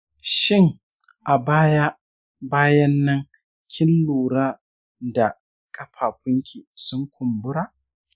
shin a baya bayannan kin lura da kafafunki sun kumbura?